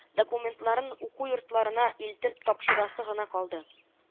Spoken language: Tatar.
Окументларын уку йортларына илтеп тапшырасы гына калды